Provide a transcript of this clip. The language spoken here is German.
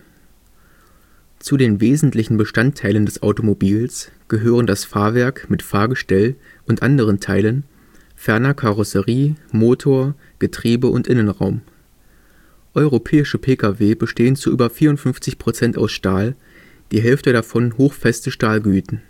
Zu den wesentlichen Bestandteilen des Automobils gehören das Fahrwerk mit Fahrgestell und anderen Teilen, ferner Karosserie, Motor, Getriebe und Innenraum. Europäische Pkw bestehen zu über 54 % aus Stahl, die Hälfte davon hochfeste Stahlgüten